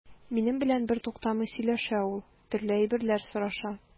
Минем белән бертуктамый сөйләшә ул, төрле әйберләр сораша.